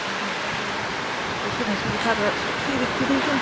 Dwi'm yn meddwl, sa'r berthynas wedi para, 'swn i ddim 'di deud hynna.